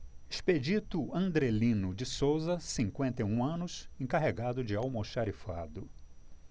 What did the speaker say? expedito andrelino de souza cinquenta e um anos encarregado de almoxarifado